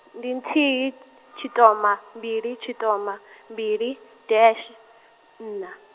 ndi nthihi, tshithoma, mbili tshithoma, mbili, dash, nṋa.